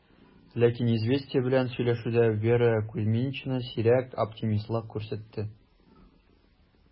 Ләкин "Известия" белән сөйләшүдә Вера Кузьминична сирәк оптимистлык күрсәтте: